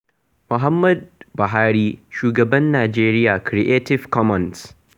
Muhammad Buhari, shugaban Najeriya. Creative Commons.